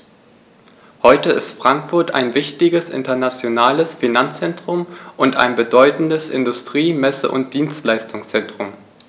Heute ist Frankfurt ein wichtiges, internationales Finanzzentrum und ein bedeutendes Industrie-, Messe- und Dienstleistungszentrum.